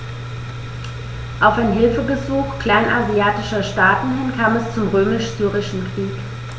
Auf ein Hilfegesuch kleinasiatischer Staaten hin kam es zum Römisch-Syrischen Krieg.